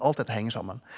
alt dette henger sammen.